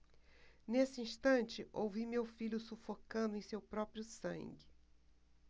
nesse instante ouvi meu filho sufocando em seu próprio sangue